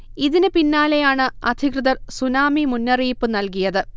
ഇതിന് പിന്നാലെയാണ് അധികൃതർ സുനാമി മുന്നറിയിപ്പ് നൽകിയത്